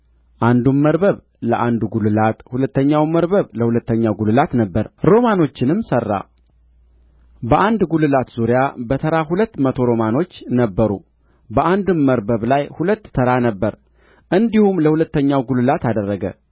አንዱም መርበብ ለአንዱ ጕልላት ሁለተኛውም መርበብ ለሁለተኛው ጕልላት ነበረ ሮማኖችንም ሠራ በአንድ ጕልላት ዙሪያ በተራ ሁለት መቶ ሮማኖች ነበሩ በአንድም መርበብ ላይ ሁለት ተራ ነበረ እንዲሁም ለሁለተኛው ጕልላት አደረገ